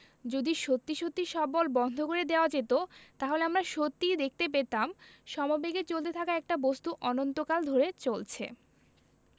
যদি সত্যি সত্যি সব বল বন্ধ করে দেওয়া যেত তাহলে আমরা সত্যিই দেখতে পেতাম সমবেগে চলতে থাকা একটা বস্তু অনন্তকাল ধরে চলছে